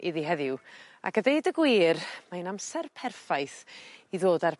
iddi heddiw. Ac a deud y gwir mae'n amser perffaith i ddod â'r